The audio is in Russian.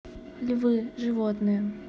львы животные